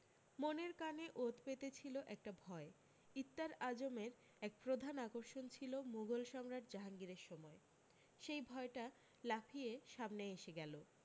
মনের কানে ওত পেতে ছিল একটা ভয় ইত্তার আজমের এর প্রধান আকর্ষণ ছিল মুঘল সম্রাট জাহাঙ্গীরের সময় সেই ভয়টা লাফিয়ে সামনে এসে গেল